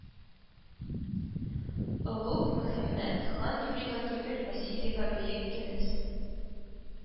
Олуг Мөхәммәд хан Юрийга түгел, Василийга бөек кенәз